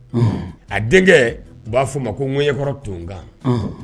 Anhan a denkɛɛ u b'a f'ɔ ma ko ŋɛɲɛkɔrɔ tonkan anhan